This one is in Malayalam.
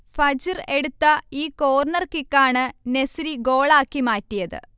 ഫജ്ർ എടുത്ത ഈ കോർണർ കിക്കാണ് നെസിരി ഗോളാക്കി മാറ്റിയത്